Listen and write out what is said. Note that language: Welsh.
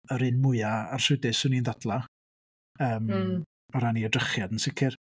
Yr un mwya arswydus 'swn i'n ddadlau yym... mm. ...o ran ei edrychiad yn sicr.